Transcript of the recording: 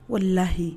O de lahi